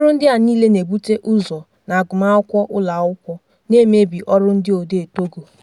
Ọrụ ndị a niile na-ebute ụzọ na agụmakwụkwọ ụlọ akwụkwọ, na-emebi ọrụ ndị odee Togo.